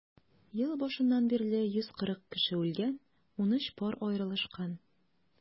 Ел башыннан бирле 140 кеше үлгән, 13 пар аерылышкан.